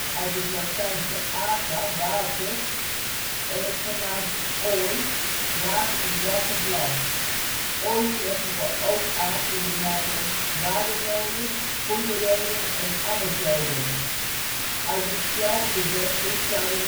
uit het Latijnse " aqua " (water) en het Germaanse " ooi " (laag en drassig land). " Ooi " treffen we ook aan in de namen: Wadenoijen, Poederoyen en Ammerzoden (= Ammerzoyen). Uit ditzelfde denken zou de naam